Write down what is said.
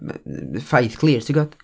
M- ffaith clir, tibod?